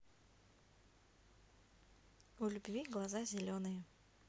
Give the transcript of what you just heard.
у любви глаза зеленые